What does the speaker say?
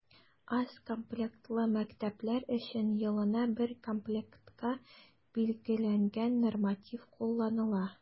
Аз комплектлы мәктәпләр өчен елына бер комплектка билгеләнгән норматив кулланыла.